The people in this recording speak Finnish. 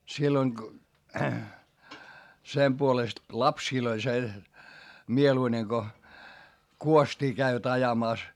silloin kun sen puolesta lapsille oli se mieluinen kun kuostia kävivät ajamassa